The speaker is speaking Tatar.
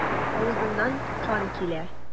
Авызыннан кан килә.